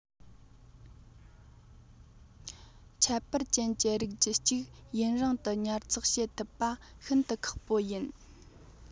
ཁྱད པར ཅན གྱི རིགས རྒྱུད ཅིག ཡུན རིང དུ ཉར ཚགས བྱེད ཐུབ པ ཤིན ཏུ ཁག པོ ཡིན